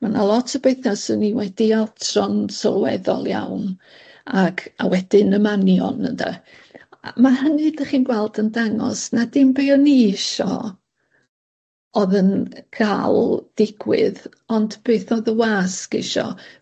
Ma' 'na lot o betha swn i wedi atro'n sylweddol iawn ac a wedyn y manion ynde. A ma' hynny 'dach chi'n gweld yn dangos na dim be' o'n 'i isio o'dd yn ca'l digwydd ond beth o'dd y wasg isio.